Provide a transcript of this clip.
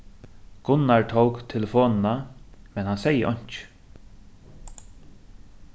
gunnar tók telefonina men hann segði einki